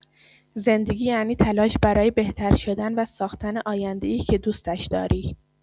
زندگی یعنی تلاش برای بهتر شدن و ساختن آینده‌ای که دوستش داری.